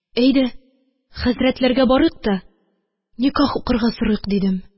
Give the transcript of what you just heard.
– әйдә, хәзрәтләргә барыйк та никях укырга сорыйк, – дидем.